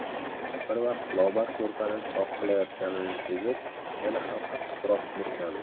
bir vaqt lobar ko'rpani tortqilayotganini sezib yana ham qatliqroq burkandi